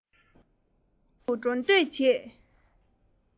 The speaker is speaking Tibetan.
མི ཚོགས དཀྱིལ དུ འགྲོ སྡོད བྱེད